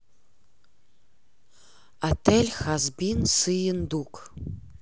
отель хазбин сыендук